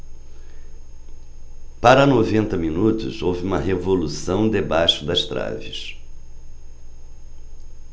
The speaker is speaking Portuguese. para noventa minutos houve uma revolução debaixo das traves